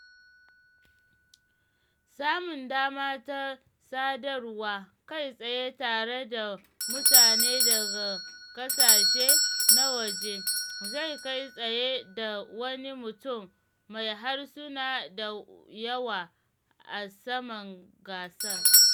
Samun dama ta sadarwa kai tsaye tare da mutane daga ƙasashe na waje zai kai tsaye sa wani mutum mai harsuna da yawa a saman gasar.